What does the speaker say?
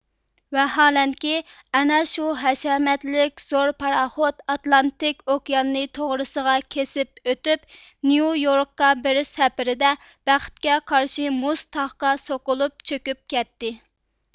ۋەھالەنكى ئەنە شۇ ھەشەمەتلىك زور پاراخوت ئاتلانتىك ئوكياننى توغرىسىغا كېسىپ ئۆتۈپ نيۇ يوركقا بېرىش سەپىرىدە بەختكە قارشى مۇز تاغقا سوقۇلۇپ چۆكۈپ كەتتى